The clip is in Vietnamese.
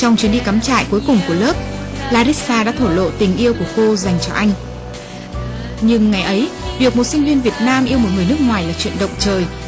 trong chuyến đi cắm trại cuối cùng của lớp la rít sa đã thổ lộ tình yêu của cô dành cho anh nhưng ngày ấy việc một sinh viên việt nam yêu một người nước ngoài là chuyện động trời